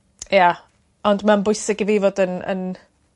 Ia. Ond ma'n bwysig i fi fod yn yn